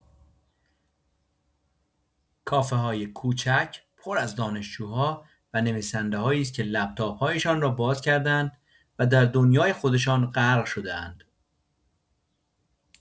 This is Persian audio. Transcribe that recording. کافه‌های کوچک پر از دانشجوها و نویسنده‌‌هایی است که لپ‌تاپ‌هایشان را باز کرده‌اند و در دنیای خودشان غرق شده‌اند.